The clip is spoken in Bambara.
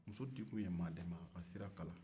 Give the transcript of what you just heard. muso di kun ye maa de ma a ka sira kala